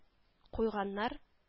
Куйганнар